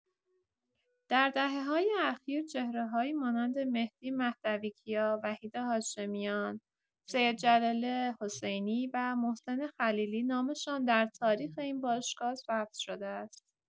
در دهه‌های اخیر چهره‌هایی مانند مهدی مهدوی‌کیا، وحید هاشمیان، سیدجلال حسینی و محسن خلیلی نامشان در تاریخ این باشگاه ثبت شده است.